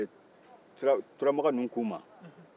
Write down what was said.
ee turamagan ninnu k'u ma